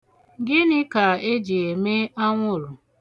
Gịnị ka eji eme anwụrụ?